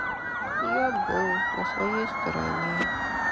я был на своей стороне